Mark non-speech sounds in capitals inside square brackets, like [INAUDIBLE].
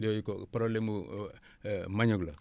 yooyu ko problème mu [HESITATION] manioc la